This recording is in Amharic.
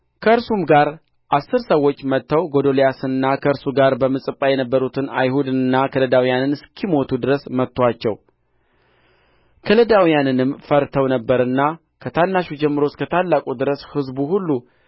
ከእርሱም ጋር አሥር ሰዎች መጥተው ጎዶልያስንና ከእርሱ ጋር በምጽጳ የነበሩትን አይሁድንና ከለዳውያንን እስኪሞቱ ድረስ መቱአቸው ከለዳውያንንም ፈርተው ነበርና ከታናሹ ጀምሮ እስከ ታላቁ ድረስ ሕዝቡ ሁሉ